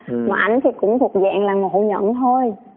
mà ảnh thì cũng thuộc dạng là ngộ nhận thôi